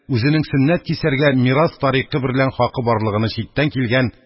Үзенең сөннәт кисәргә мирас тарикы2 берлән хакы барлыгыны читтән килгән